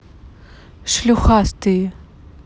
шлюхастые